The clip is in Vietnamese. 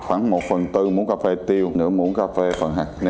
khoảng một phần tư muỗng cà phê tiêu nửa muỗng cà phần phê hạt nêm